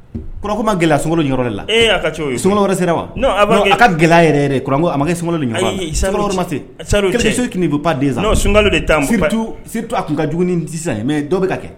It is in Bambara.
Kɔ ma gɛlɛya sumaworo yɔrɔ la sumaworo wɛrɛ sera wa a ka gɛlɛya yɛrɛ a ma sumaworo so bɛ pand sunka to a tun ka sisan mɛ dɔ bɛ ka kɛ